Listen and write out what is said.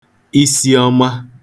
isiọma